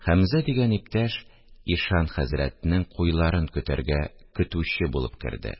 Хәмзә дигән иптәш «ишан хәзрәт»нең куйларын көтәргә көтүче булып керде